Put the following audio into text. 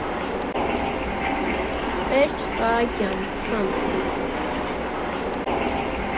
Պերճ Սահակյան ֊ խմբ.